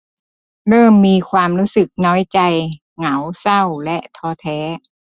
เริ่มมีความรู้สึกน้อยใจเหงาเศร้าและท้อแท้